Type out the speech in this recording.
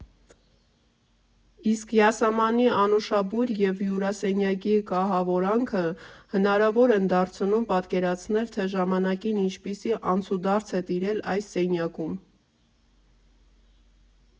Իսկ յասամանի անուշաբույրը և հյուրասենյակի կահավորանքը հնարավոր են դարձնում պատկերացնել, թե ժամանակին ինչպիսի անցուդարձ է տիրել այս սենյակում։